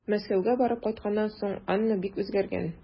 Мәскәүгә барып кайтканнан соң Анна бик үзгәргән.